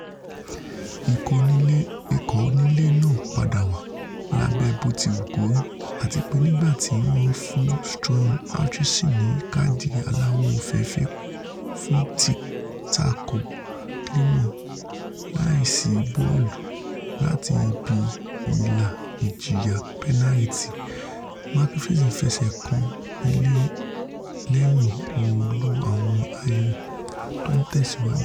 Ikọ̀ onílé náà padà wá, lábẹ̀ botiwukori, àtipé nígbà tí wọ́n fún Struan Hutchinson ni káàdì aláwọ̀ òfééèfé fún títako Climo láìsí bọ́ọ̀lù, láti ibi ìlà ìjìyà pẹnariti, MacPherson fẹṣẹ̀ kan ilẹ̀ lẹ́yìn òòlù àwọn Ayr tó ńtẹ̀síwájú.